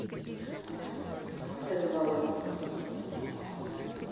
секс баба